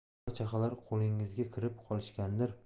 bola chaqalar qo'ltig'ingizga kirib qolishgandir